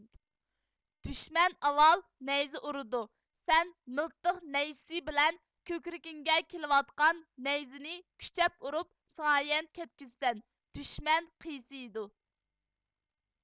دۈشمەن ئاۋۋال نەيزە ئۇرىدۇ سەن مىلتىق نەيزىسى بىلەن كۆكرىكىڭگە كېلىۋاتقان نەيزىنى كۈچەپ ئۇرۇپ سىڭايان كەتكۈزىسەن دۈشمەن قىيسىيىدۇ